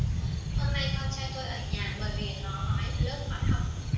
hôm nay con trai tôi ở nhà bởi vì nó nói lớp hoãn học